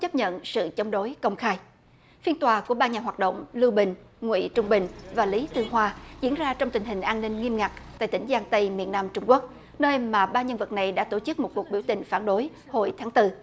chấp nhận sự chống đối công khai phiên tòa của ba nhà hoạt động lưu bình ngụy trung bình và lý tư hoa diễn ra trong tình hình an ninh nghiêm ngặt tại tỉnh giang tây miền nam trung quốc nơi mà ba nhân vật này đã tổ chức một cuộc biểu tình phản đối hồi tháng từ